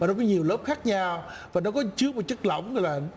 và nó có nhiều lớp khác nhau và nó có chứa một chất lỏng gọi là